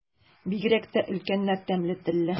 Бигрәк тә өлкәннәр тәмле телле.